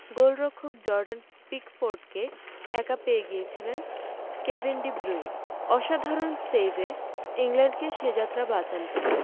গোলরক্ষক জর্ডান পিকফোর্ডকে একা পেয়ে গিয়েছিলেন কেভিন ডি ব্রুইন অসাধারণ সেভে ইংল্যান্ডকে সে যাত্রা বাঁচান তিনি